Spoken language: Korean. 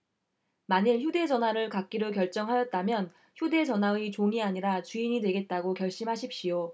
만일 휴대 전화를 갖기로 결정하였다면 휴대 전화의 종이 아니라 주인이 되겠다고 결심하십시오